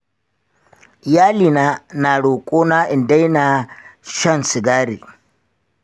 iyalina na roƙona in daina shan sigari.